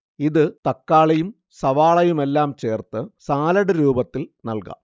ഇത് തക്കാളിയും സവാളയുമെല്ലാം ചേർത്ത് സാലഡ് രൂപത്തിൽ നൽകാം